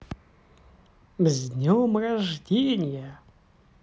с днем рождения